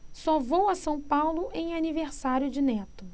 só vou a são paulo em aniversário de neto